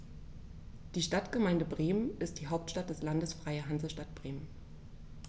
Die Stadtgemeinde Bremen ist die Hauptstadt des Landes Freie Hansestadt Bremen.